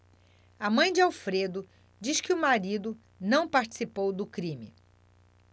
a mãe de alfredo diz que o marido não participou do crime